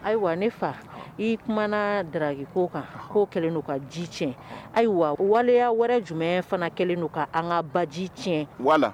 Ayiwa ne fa i kuma daki ko kan kɛlenu ka ji tiɲɛ ayiwa waleya wɛrɛ jumɛn fana kɛlen don ka an ka ba ji tiɲɛ